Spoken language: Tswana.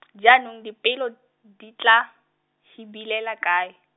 jaanong dipelo di tla, hibilela kae?